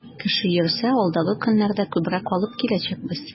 Кеше йөрсә, алдагы көннәрдә күбрәк алып киләчәкбез.